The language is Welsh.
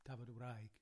Tafod y wraig.